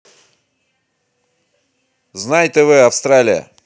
знай тв австралия